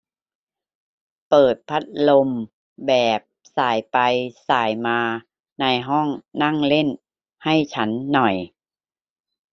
เปิดพัดลมแบบส่ายไปส่ายมาในห้องนั่งเล่นให้ฉันหน่อย